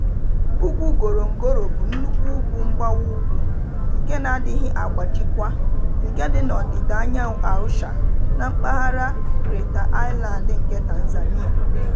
Ugwu Ngorongoro bụ nnukwu ugwu mgbawa ugwu, nke na-adịghị agbajikwa, nke dị na ọdịda anyanwụ Arusha na mpaghara Crater Highland nke Tanzania.